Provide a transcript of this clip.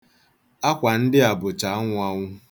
Akwa ndị a bụcha anwụanwụ.